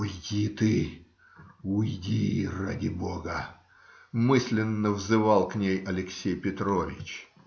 "Уйди ты, уйди, ради бога", - мысленно взывал к ней Алексей Петрович.